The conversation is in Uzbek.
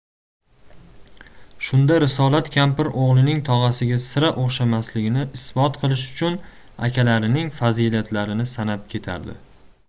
shunda risolat kampir o'g'lining tog'asiga sira o'xshamasligini isbot qilish uchun akalarining fazilatlarini sanab ketardi